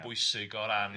yn bwysig o ran